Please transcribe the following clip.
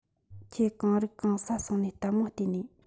ཁྱོད གང རིགས གང ང སོང ངས ལྟད མོ བལྟས ནིས